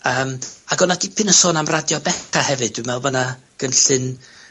Yym, ag o' 'na dipyn o sôn am radio Beca hefyd. Dwi me'wl bo' 'na gynllun